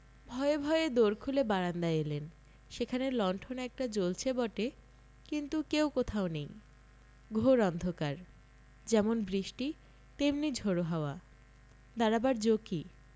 ভয়ে ভয়ে দোর খুলে বারান্দায় এলেন সেখানে লণ্ঠন একটা জ্বলচে বটে কিন্তু কেউ কোথাও নেই ঘোর অন্ধকার যেমন বৃষ্টি তেমনি ঝড়ো হাওয়া দাঁড়াবার জো কি